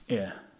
Ie.